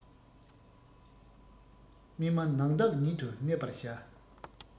མི སྨྲ ནགས འདབས ཉིད དུ གནས པར བྱ